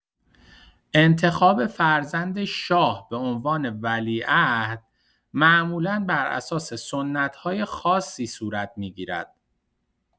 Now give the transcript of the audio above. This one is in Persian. انتخاب فرزند شاه به عنوان ولیعهد معمولا بر اساس سنت‌های خاصی صورت می‌گیرد.